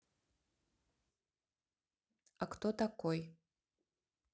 а кто такой